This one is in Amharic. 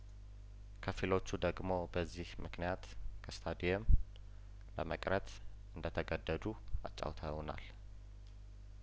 ከፊሎቹ ደግሞ በዚህምክንያት ከስታዲየም ለመቅረት እንደተገደዱ አጫው ተውናል